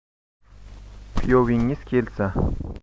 kuyovingiz kelsa